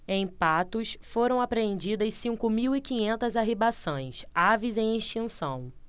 em patos foram apreendidas cinco mil e quinhentas arribaçãs aves em extinção